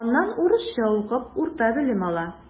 Аннан урысча укып урта белем ала.